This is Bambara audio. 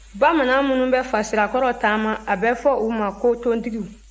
bamanan minnu bɛ fasirakɔrɔ taama a bɛ fɔ u ma ko tontigiw